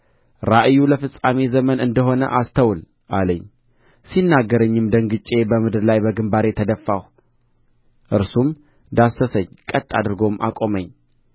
ራእዩ ለፍጻሜ ዘመን እንደ ሆነ አስተውል አለኝ ሲናገረኝም ደንግጬ በምድር ላይ በግምባሬ ተደፋሁ እርሱም ዳሰሰኝ ቀጥ አድርጎም አቆመኝ